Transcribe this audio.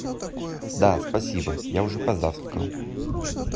да спасибо я уже позавтракал